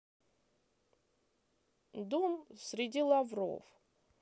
дом среди лавров